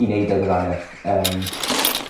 i neud â gwyddonieth. Yym.